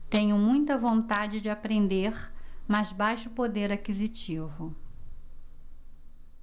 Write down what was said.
tenho muita vontade de aprender mas baixo poder aquisitivo